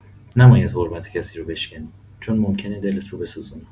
نباید حرمت کسی رو بشکنی؛ چون ممکنه دلت رو بسوزونه.